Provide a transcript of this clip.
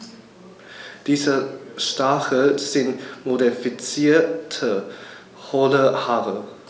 Diese Stacheln sind modifizierte, hohle Haare.